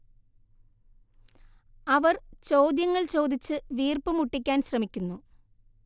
അവർ ചോദ്യങ്ങൾ ചോദിച്ച് വീര്പ്പ് മുട്ടിക്കാൻ ശ്രമിക്കുന്നു